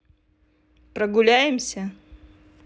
поругаемся